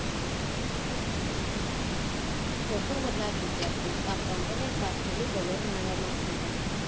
Կոթողը լավ վիճակում է, պահպանվել են պատկերի բոլոր մանրամասները։